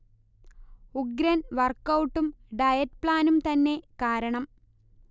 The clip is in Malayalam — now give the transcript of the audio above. ഉഗ്രൻ വർക്ഔട്ടും ഡയറ്റ് പ്ലാനും തന്നെ കാരണം